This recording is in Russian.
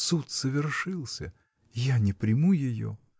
Суд совершился — я не приму ее.